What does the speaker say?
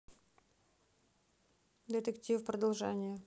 детектив продолжение